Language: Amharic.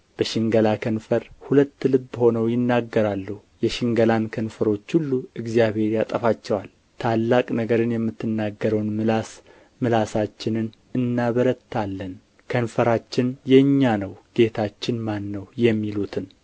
በሽንገላ ከንፈር ሁለት ልብ ሆነው ይናገራሉ የሽንገላን ከንፈሮች ሁሉ እግዚአብሔር ያጠፋቸዋል ታላቅ ነገርን የምትናገረውን ምላስ ምላሳችንን እናበረታለን ከንፈራችን የእኛ ነው ጌታችን ማን ነው የሚሉትን